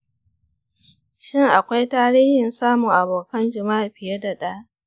shin akwai tarihin samun abokan jima'i fiye da ɗaya?